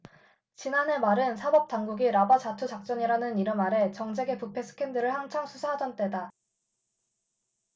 지난해 말은 사법 당국이 라바 자투 작전이라는 이름 아래 정 재계 부패 스캔들을 한창 수사하던 때다